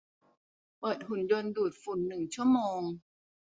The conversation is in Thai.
เปิดหุ่นยนต์ดูดฝุ่นหนึ่งชั่วโมง